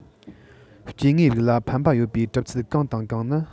སྐྱེ དངོས རིགས ལ ཕན པ ཡོད པའི གྲུབ ཚུལ གང དང གང ནི